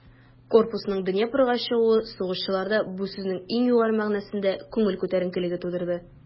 Корпусның Днепрга чыгуы сугышчыларда бу сүзнең иң югары мәгънәсендә күңел күтәренкелеге тудырды.